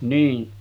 niin